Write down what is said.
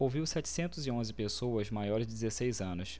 ouviu setecentos e onze pessoas maiores de dezesseis anos